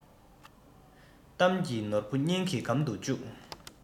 གཏམ གྱི ནོར བུ སྙིང གི སྒམ དུ བཅུག